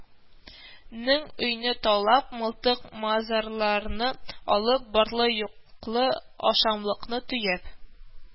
Нең өйне талап, мылтык-мазарларны алып, барлы-юклы ашамлыкны төяп